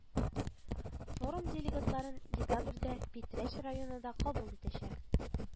Форум делегатларын декабрьдә Питрәч районы да кабул итәчәк